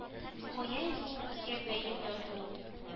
Кая инде ул безгә бәеп яту